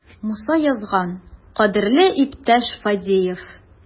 Муса язган: "Кадерле иптәш Фадеев!"